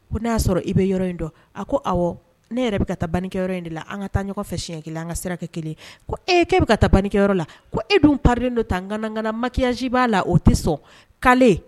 Ko n'a y'a sɔrɔ i bɛ yɔrɔ in dɔn. A ko awɔ. Ne yɛrɛ bɛ ka taa bannikɛyɔrɔ in de la, an ka taa ɲɔgɔn fɛ siɲɛ 1,an ka sira kɛ 1 ye. Ko ee bɛ ka taa bannikɛyɔrɔ la. Ko e dun parilen don tan ganagana, maquillage b'a la o tɛ sɔn, k'ale